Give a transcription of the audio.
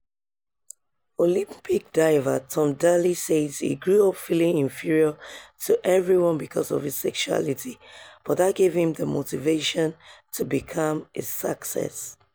Olympic diver Tom Daley says he grew up feeling inferior to everyone because of his sexuality - but that gave him the motivation to become a success.